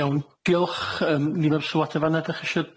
Iawn diolch yym unrhyw sylwad yn fan'na 'dach chi isio,